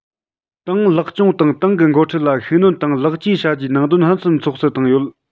ཏང ལེགས སྐྱོང དང ཏང གི འགོ ཁྲིད ལ ཤུགས སྣོན དང ལེགས བཅོས བྱ རྒྱུའི ནང དོན ཕུན སུམ ཚོགས སུ བཏང ཡོད